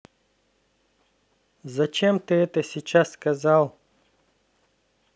зачем ты это сейчас сказал